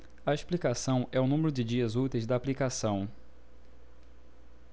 a explicação é o número de dias úteis da aplicação